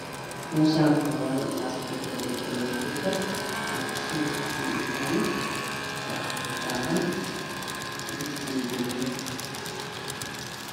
Meshan waxaa yala gaska cuntada lagu kariyo kukar waxaa saran digsi iyo jelmad